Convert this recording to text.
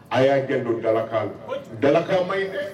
A y'a janto dalakan na, dalakan man ɲi dɛ